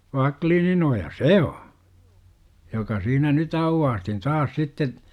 Wacklininoja se on joka siinä nyt aukaistiin taas sitten